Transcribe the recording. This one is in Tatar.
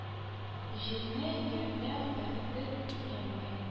Җирне ямьләү бәхете тигәнгә